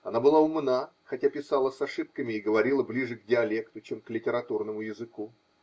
Она была умна, хотя писала с ошибками и говорила ближе к диалекту, чем к литературному языку.